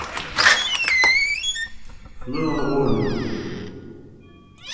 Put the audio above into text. fløgan á borðinum er mín